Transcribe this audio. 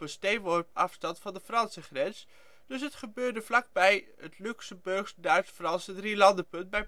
steenworp afstand van de Franse grens, dus het gebeurde vlakbij het Luxemburgs-Duits-Franse drielandenpunt bij